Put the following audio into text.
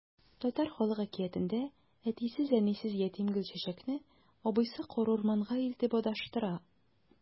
Татар халык әкиятендә әтисез-әнисез ятим Гөлчәчәкне абыйсы карурманга илтеп адаштыра.